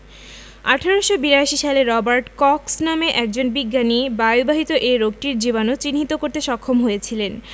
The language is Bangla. ১৮৮২ সালে রবার্ট কক্স নামে একজন বিজ্ঞানী বায়ুবাহিত এ রোগটির জীবাণু চিহ্নিত করতে সক্ষম হয়েছিলেন